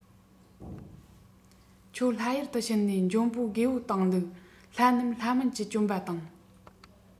ཁྱོད ལྷ ཡུལ དུ ཕྱིན ནས འཇོན པོ རྒོས པོ བཏང ལུགས ལྷ རྣམས ལྷ མིན གྱིས བཅོམ པ དང